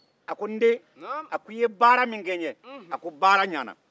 a ko i ye baara min kɛ n ye n den baara ɲɛna